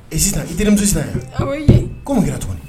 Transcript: Ee sisan i teri sisan ko mun kɛra tuguni